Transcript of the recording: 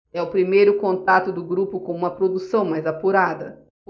é o primeiro contato do grupo com uma produção mais apurada